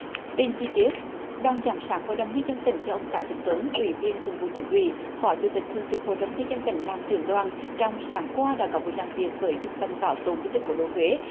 tin chi tiết đoàn giám sát hội đồng nhân dân tỉnh cho ông cái vĩnh tuấn ủy viên thường vụ tỉnh ủy phó chủ tịch thường trực hội đồng nhân dân tỉnh làm trưởng đoàn trong sáng qua đã có buổi làm việc với trung tâm bảo tồn di tích cố đô huế